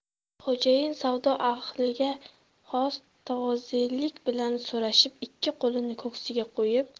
xo'jayin savdo ahliga xos tavozelik bilan so'rashib ikki qo'lini ko'ksiga qo'yib